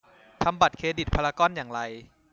ทำบัตรเครดิตพารากอนอย่างไร